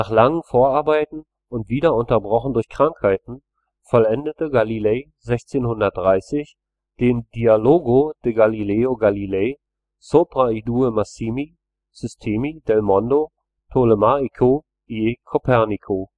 langen Vorarbeiten und wieder unterbrochen durch Krankheiten, vollendete Galilei 1630 den Dialogo di Galileo Galilei sopra i due Massimi Sistemi del Mondo Tolemaico e Copernicano